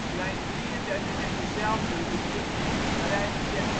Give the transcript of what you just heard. Lijn 33 heeft dezelfde route, maar rijdt via